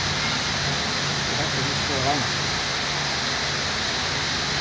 tú helt at eg ikki fór at varnast tað